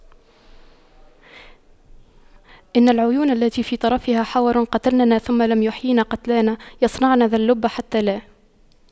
إن العيون التي في طرفها حور قتلننا ثم لم يحيين قتلانا يَصرَعْنَ ذا اللب حتى لا